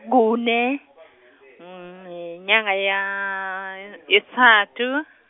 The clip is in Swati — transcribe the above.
kune, nyanga ya , yesitsatfu.